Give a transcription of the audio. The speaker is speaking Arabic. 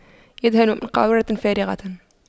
يدهن من قارورة فارغة